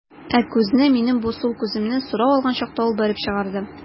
Ә күзне, минем бу сул күземне, сорау алган чакта ул бәреп чыгарды.